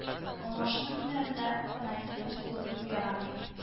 Алмашыну көннәрендә фанатизм колы булу ярамый